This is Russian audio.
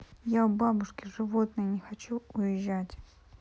я у бабушки животные не хочу уезжать